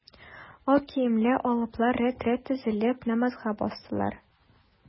Ак киемле алыплар рәт-рәт тезелеп, намазга бастылар.